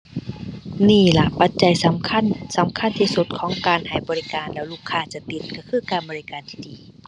นี่ล่ะปัจจัยสำคัญ สำคัญที่สุดของการให้บริการแล้วลูกค้าจะติด ก็คือการบริการที่ดี